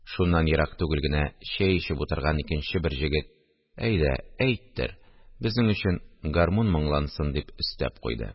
Шуннан ерак түгел генә чәй эчеп утырган икенче бер җегет: – Әйдә, әйттер! Безнең өчен гармун моңлансын! – дип өстәп куйды